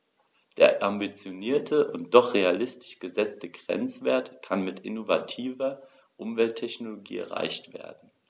Der ambitionierte und doch realistisch gesetzte Grenzwert kann mit innovativer Umwelttechnologie erreicht werden.